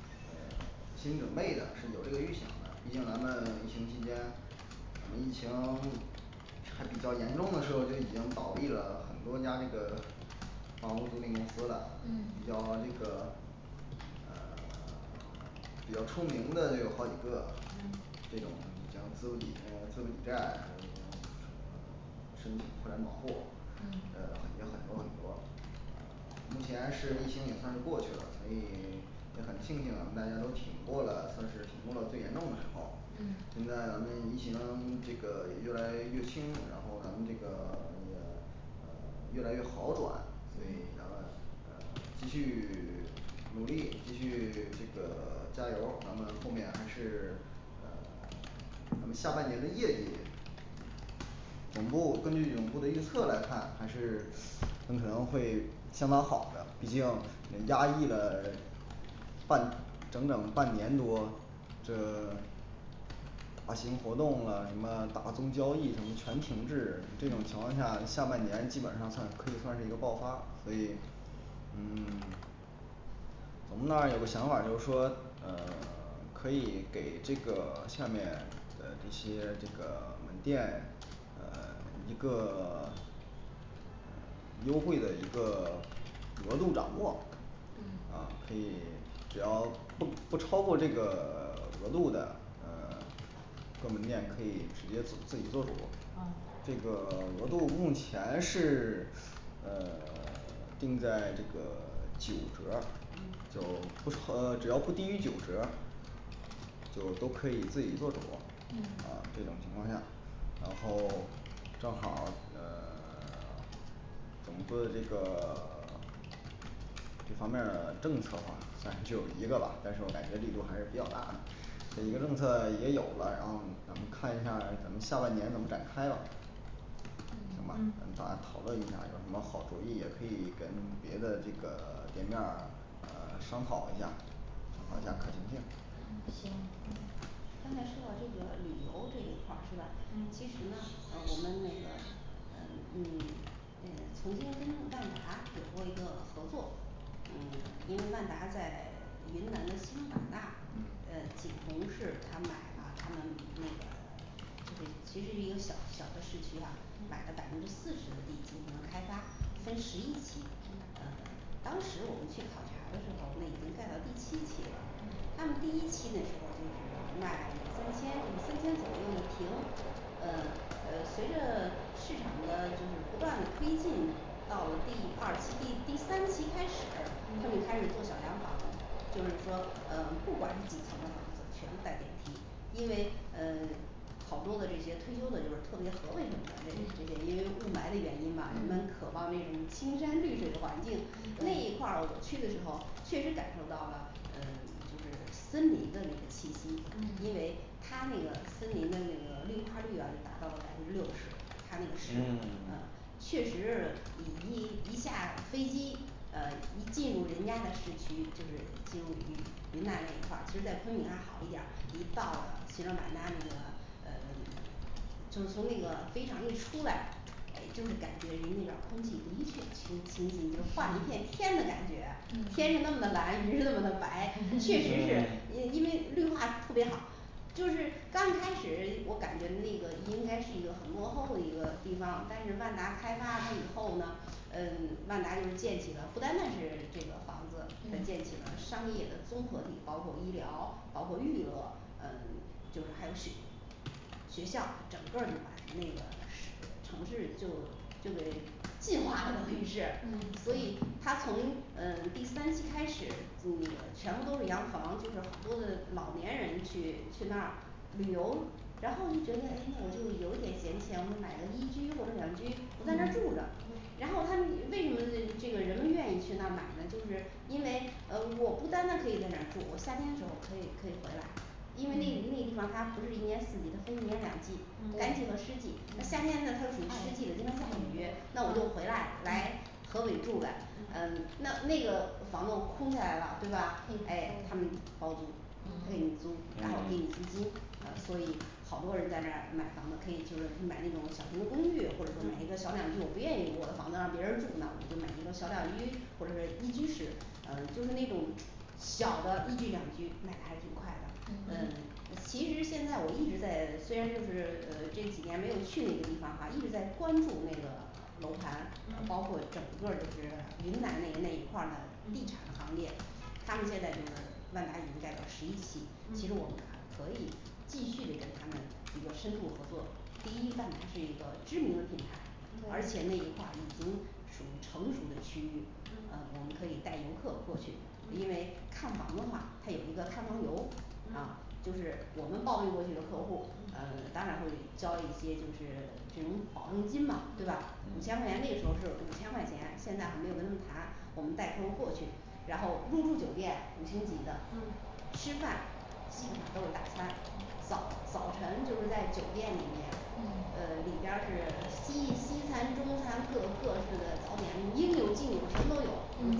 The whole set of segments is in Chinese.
呃心理准备的是有这个预想的，毕竟咱们疫情期间可能疫情 这 比较严重的时候就已经倒闭了很多家这个房屋租赁公司了嗯比较那个呃 比较出名的就有好几个了嗯这种已经资不抵呃资不抵债呃呃 申请破产保护嗯呃也很多很多呃 目前是疫情已经算过去了所以 也很庆幸咱们大家都挺过了，算是挺过了，最严重的时候嗯，现在咱们疫情这个也越来越轻然后咱们这个也呃越来越好转，所以嗯咱们呃继续 努力继续 这个 加油儿，咱们后面还是 呃 那么下半年的业绩总部根据总部的预测来看，还是很可能会相当好的，毕竟嗯压抑了 半整整半年多这 大型活动了，什么大宗交易什么全停滞，&嗯&这种情况下，下半年基本上算可以算是一个爆发，所以嗯 总部那儿有个想法就是说呃 可以给这个下面的一些这个门店呃一个 优惠的一个 嗯啊可以 只要不不超过这个 额度的呃 各门店可以直接自自己做主啊这个 额度目前是 呃 定在这个 九折儿嗯就不超 呃只要不低于九折儿就都可以自己做主嗯啊这种情况下，然后正好儿呃 我们做的这个 这方面儿的政策吧虽然只有一个吧，但是我感觉力度还是比较大的一个对政策也有了，然后咱们看一下儿咱们下半年怎么展开了行吧嗯嗯把讨论一下儿，有什么好主意，也可以跟他们别的这个 店面儿呃商讨一下儿讨下儿可行性嗯行嗯刚才说到旅游这一块儿是吧？其实呢啊我们那个呃嗯 那个曾经跟万达有过一个合作，嗯因为万达在 云南的西双版纳嗯，呃锦宏是他买了他们卖了就是其实一个小小的市区哈买嗯了百分之四十地那个开发，分嗯十一期啊嗯当时我们去考察的时候已经盖到第七期了&嗯&，他们第一期的时候就是卖两三千就是三千左右一平，呃呃随着市场的就是不断的推进，到了第二期第第三期开始&嗯&他们就开始做小洋房了就是说呃不管是几层的房子全部带电梯，因为呃 好多的这些退休的就是特别河北省的这些这些因为雾霾的原因吧，人们渴望那种青山绿水的环境，那一块儿我去的时候确实感受到了嗯 就是森林的那个气息，因为它那个森林的那个绿化率啊就达到了百分之六十他那个是嗯呃 确实嗯一 一下飞机呃一进入人家的市区，就是进入领域云南那一块儿，其实在昆明还好一点儿了一到了西双版纳那个呃 就是从那个飞机上一出来诶就是感觉人那边儿空气的确清清新，就换了一片天的感觉，天是那么的蓝，云是那么的白，确实是嗯 呃因为绿化特别好就是刚开始我感觉的那个应该是一个很落后的一个地方，但是万达开发完以后呢，嗯 万达就是建起了不单单是这个房子，它建起了商业的综合体，包括医疗，包括娱乐呃， 就是还有学学校整个儿就把那个市城市就就给计划等于是嗯，所嗯以它从呃第三期开始嗯全部都是洋房，就是好多的老年人去去那儿旅游然后就觉得诶那个就有一点闲钱，我买个一居或者两居我在那儿嗯住着嗯，然后他们为什么那这个人们愿意去那儿买呢，就是因为呃我不单单可以在那儿住，我夏天的时候可以可以回来因为那嗯那地方它不是一年四季，它分一年两季，干嗯对季和湿季，那夏嗯天呢它是属于湿季的，经常下雨那我就回来来河北住来嗯嗯那那个房子我空下来了对吧可诶他们包出去可以去以合嗯嗯租然后给你租金，呃所以好多人在这买房子，可以就是买那种小型的公寓，或者说买一个嗯小两居，我不愿意我的房子让别人住，那我就买一个小两居或者是一居室，呃就是那种小的一居两居卖的还挺快的，嗯嗯嗯其实现在我一直在虽然就是呃这几年没有去那个地方哈，一直在关注那个 楼盘，包括嗯整个儿就是云南那那一块儿的地产嗯行业他们现在就是万达已经盖到十一期，其实我们还嗯可以继续的跟他们一个深入合作，第一份是一个知名的品牌，而对嗯且那一块儿已经属于成熟的区域，呃嗯我们可以带游客过去，因为嗯看房的话它有一个看房游啊嗯就是我们报备过去的客户&嗯&呃当然会交一些就是这种保证金吧&嗯&对吧五千嗯块钱那个时候是五千块钱，现在还没有跟他们谈，我们带客户过去然后入住酒店五星级的嗯吃饭基本上都是大餐，早早晨就是在酒店里面嗯呃里边儿是西西餐、中餐，各各式的早点应有尽有，什么都有。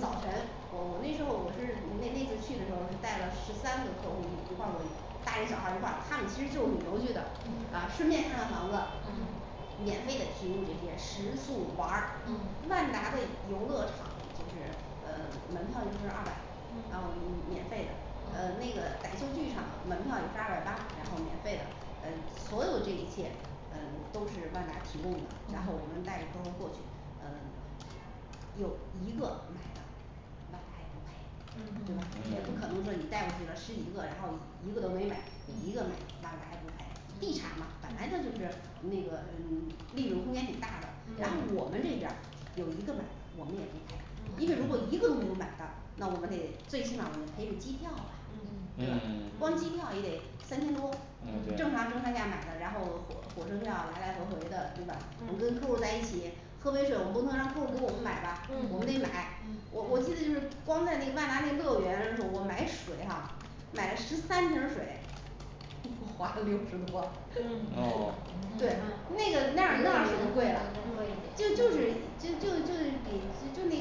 早晨我我那时候我是那那次去的时候带了十三个客户都办过一次大人小孩一块儿，他们其实就是旅游去的嗯顺便看看房子嗯嗯免费的提供给这些食宿，玩儿嗯嗯万达的游乐场就是呃门票就是二百，然后嗯嗯 免费的呃嗯嗯那个百秀剧场门票也是二百八然后免费的，呃所有这一切嗯都是万达提供的，然后我嗯们带着客户过去嗯有一个买了买买对吧嗯嗯也不可嗯嗯嗯能说你带过去了十一个，然后一个都没买，一个买嗯买买买地产嘛嗯，本来这对就是那个嗯 利润空间挺大的，然后我们这边儿有一个买的我们也不赔，因为如果嗯嗯一个都没有买它，那我们得最起码儿我们赔个机票吧嗯嗯对吧嗯 光机票也得三千多嗯，对嗯正嗯常中特价买的，然后火火车票来来回回的对吧？我们跟嗯客户在一起喝杯水，我不能让客户儿给我们买吧，我们得嗯买，我我记得就是光在那个万达那乐园，我买水哈买了十三瓶儿水 花了六十多 嗯哦对对 那个那游乐园什么儿那的贵一点儿就就嗯是就就就就那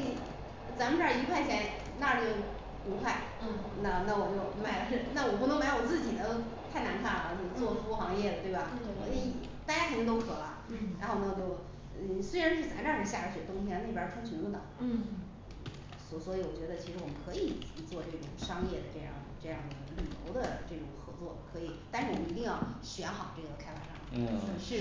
咱们这儿一块钱那儿是五块嗯嗯那那我们就不买买水了水那我不能买我自己的太难看了我们做服务行业的对吧嗯对大家肯定都渴了嗯然后那就嗯虽然是咱这儿下雪，冬天那边儿穿裙子的嗯嗯所所以我觉得其实我们可以做这种商业的这样这样的旅游的这种合作可以，但是我们一定要选好这个开发商嗯是是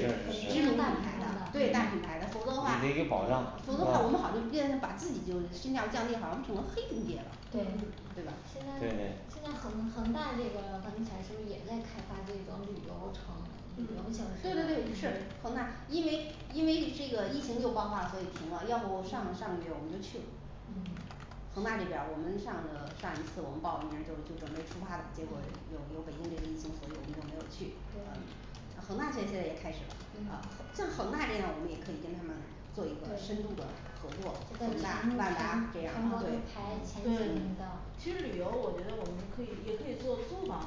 可以就是像大品牌的对大品牌的否则的话你这有保障否对则吧话我们好像变成把自己就身价降低，好像成了黑中介了嗯，对嗯对吧嗯这个嗯现在对现在恒恒大这个房地产是不也在开发这个旅游城旅游形式的嗯对嗯是恒大因为因为这个疫情又爆发了所以停了要不上个上个月就去了嗯恒大这边儿，我们上个上一次我们报了名儿就就准备出发的结果了嗯有有这个北京疫情，所以我们都没有去呃对恒大现在也开始了啊嗯，像恒大这样我们也可以跟他们做一对是在全全全国都排前个深度的合作恒大万达这样儿的对几对名的其实旅游我觉得我们可以也可以做租房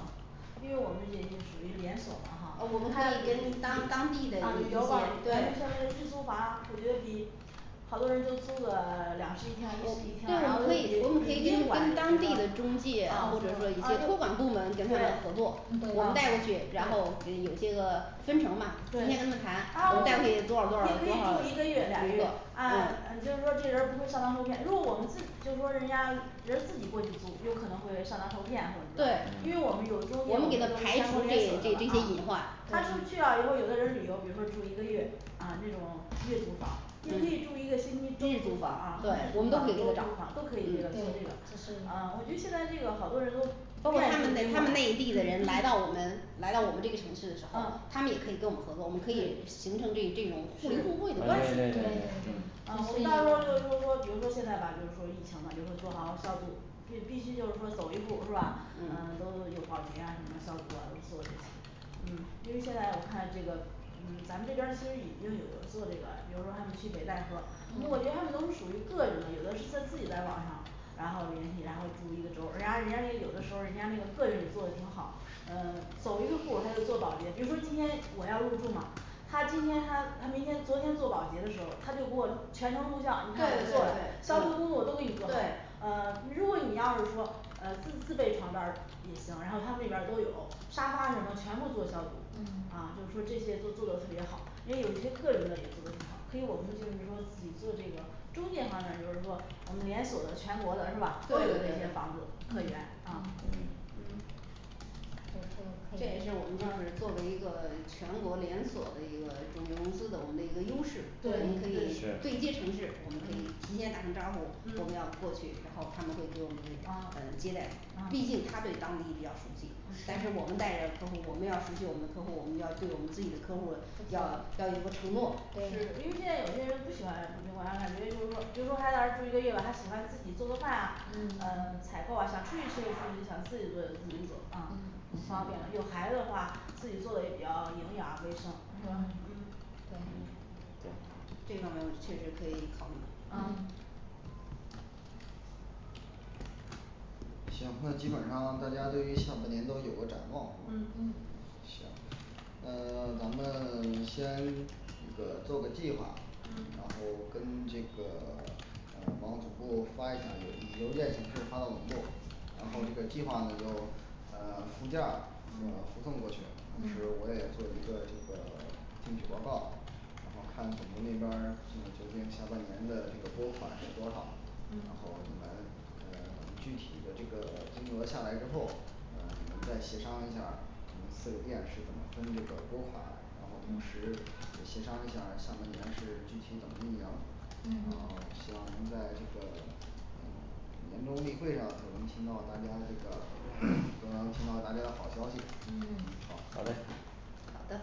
因为我们也也属于连锁嘛哈啊啊旅我们游当房咱当们地现的在一一些对的日租房我觉得比好多人就租个 两室一厅还是多室一厅这啊然后个就可以我们比可比以宾跟馆我觉跟得当地的中介啊啊比如说一对些托管功能就跟他们对合作对对我们带过去然后对呃有这个分成吧对啊然后也可以也可以你可以跟他谈带过去多少多少多少住一个月俩这月个就是说这个人儿不会算到后天如果我们自己就是说人家人自己过去租有可能会上当受骗或者什么对呃因为我们有中介我我们们给都他是排全国除连锁的这这些隐了啊患他说去了有时候有的人旅游比如说住一个月啊这种月租房也嗯可以日住一个星期周日租租房房啊对对对我们都可以去对找他啊我觉得现在好多人都包之括他远们的他们内地的人来到我们来到我们这个城市的嗯对是时候他们也可以跟我们合作我们可以形成这这种互利互惠的关系对对对对对对啊我们到时候就是说说比如说现在吧就是说疫情吧就说做好消毒也必须就是说走一步是吧？嗯呃都有保洁啊什么消毒啊都做这些嗯因为现在我看这个嗯 咱们这边儿其实已经有人做这个，比如说他们去北戴河，那么我嗯觉得他们都是属于个人的，有的是在自己在网上然后联系，然后住一个周儿，人家人家那有的时候人家那个个人也做的挺好呃 走一个户儿他就做保洁，比如说今天我要入住嘛，他今天他他明天昨天做保洁的时候，他就给我全程录像，你对对对嗯看我做了消毒工作我都给你做好对，呃如果你要是说呃自自备床单儿也行然后他们那边儿都有沙发全部做消毒，嗯啊就说这些都做得特别好，因为有一些个人的也做得挺好可以我们就是说自己做这个中介方面儿，就是说我们连锁的全国的是吧对对？都有这些房子客源对嗯。嗯嗯嗯嗯对这些个这也是我们就可以是跟嗯作为一个全国连锁的一个名字等的一个优势对我们可以对对是接城市我们可以嗯提前打声招呼我们嗯要过去然后他们会给我们呃呃接待啊是毕负责啊竟他对当地比较熟悉，但是是我们带着客户，我们要熟悉我们的客户，我们要对我们自己的客户负要责要有个承诺对嗯嗯嗯对是因为现在有些人不喜欢住宾馆，感觉就是说比如说他在那儿住一个月吧，他喜欢自己做做饭啊，呃嗯采购啊想出去吃，想自己做就自己做嗯很方便嗯，有孩子的话自己做的也比较营养卫生嗯是吧嗯嗯对这方面确实可以考虑啊嗯行，那基本上大家对于下半年都有个展望是嗯吗嗯呃 咱们 先这个做个计划，然嗯后跟这个 呃往总部儿发一下，邮邮件形式发到总部儿，然后这个嗯计划你们就呃附件儿呃附嗯送过去同时嗯我也做一个听取报告那么看总部那边儿怎么决定下半年的这个拨款是多少然嗯后你们呃等具体的这个 金额下来之后呃你们再协商一下儿你们四个店是怎么分这个拨款然后同时嗯也协商一下儿下半年是具体怎么运营然后嗯嗯希望能在这个嗯员工例会上，我能听到大家这个 都能听到大家的好消息嗯嗯好嘞好的